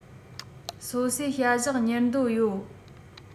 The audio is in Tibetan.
སོ སོས བྱ གཞག གཉེར འདོད ཡོད